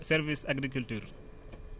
service agriculture